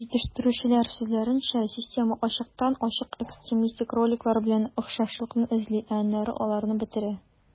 Җитештерүчеләр сүзләренчә, система ачыктан-ачык экстремистик роликлар белән охшашлыкны эзли, ә аннары аларны бетерә.